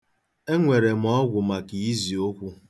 Enwere m ọgwụ maka iziụkwụ.